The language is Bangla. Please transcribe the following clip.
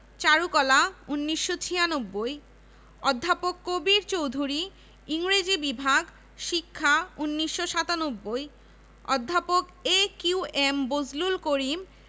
চারুকলা ১৯৯৬ অধ্যাপক কবীর চৌধুরী ইংরেজি বিভাগ শিক্ষা ১৯৯৭ অধ্যাপক A Q M Bazlul Karim